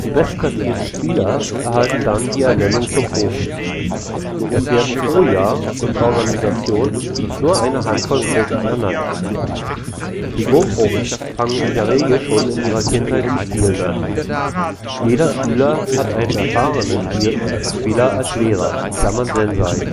bestplatzierten Spieler erhalten dann die Ernennung zum Profi. Es werden pro Jahr und Organisation nur eine Handvoll Profis ernannt. Die Go-Profis fangen in der Regel schon in ihrer Kindheit zu spielen an. Jeder Schüler hat einen erfahrenen Spieler als Lehrer (sensei